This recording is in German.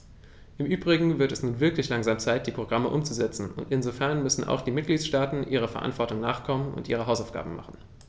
Im übrigen wird es nun wirklich langsam Zeit, die Programme umzusetzen, und insofern müssen auch die Mitgliedstaaten ihrer Verantwortung nachkommen und ihre Hausaufgaben machen.